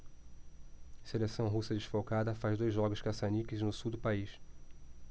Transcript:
seleção russa desfalcada faz dois jogos caça-níqueis no sul do país